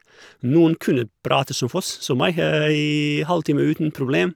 Noen kunne prate som foss, som meg, i halvtime uten problem.